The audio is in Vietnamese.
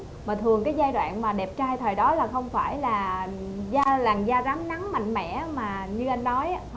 mà thường cái giai đoạn mà đẹp trai thời đó là không phải là do làn da rám nắng mạnh mẽ mà như anh nói á